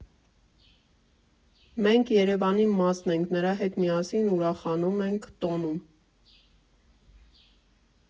Մենք Երևանի մասն ենք, նրա հետ միասին ուրախանում ենք, տոնում։